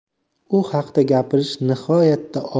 u haqda gapirish nihoyatda